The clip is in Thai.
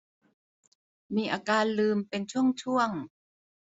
มีอาการลืมเป็นช่วงช่วง